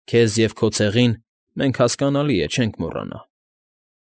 Քեզ և քո ցեղին մենք, հասկանալի է, չենք մոռանա։